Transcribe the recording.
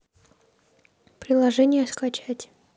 приложение скачать